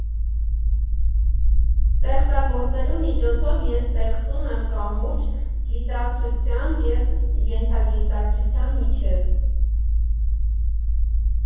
Ստեղծագործելու միջոցով ես ստեղծում եմ կամուրջ գիտակցության և ենթագիտակցության միջև։